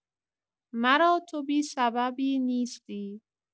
مرا تو بی‌سببی نیستی.